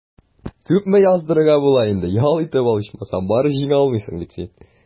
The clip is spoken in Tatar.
Потехин йорты 1830 елда архитектор Фома Петонди тарафыннан төзелә.